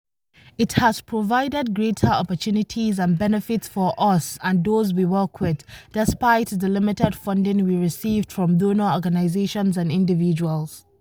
It has provided greater opportunities and benefits for us and those we work with, despite the limited funding we received from donor organizations and individuals.